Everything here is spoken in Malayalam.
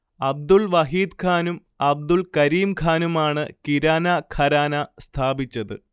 അബ്ദുൾ വഹീദ്ഖാനും അബ്ദുൾ കരീംഖാനുമാണ് കിരാന ഘരാന സ്ഥാപിച്ചത്